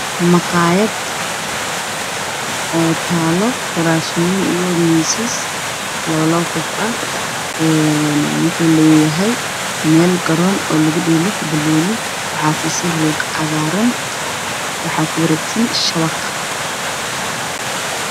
Waa maqaayad ayaalan kuraas labo labo qof loogu fadhiisto maqayada waxaa ku wareegsan shabaq